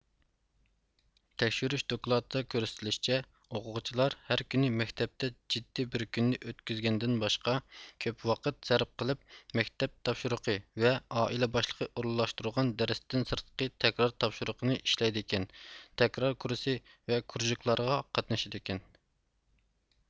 تەكشۈرۈش دوكلاتىدا كۆرسىتىلىشىچە ئوقۇغۇچىلار ھەر كۈنى مەكتەپتە جىددىي بىر كۈننى ئۆتكۈزگەندىن باشقا كۆپ ۋاقىت سەرپ قىلىپ مەكتەپ تاپشۇرۇقى ۋە ئائىلە باشلىقى ئورۇنلاشتۇرغان دەرستىن سىرتقى تەكرار تاپشۇرۇقىنى ئىشلەيدىكەن تەكرار كۇرسى ۋە كۇرژىكلارغا قاتنىشىدىكەن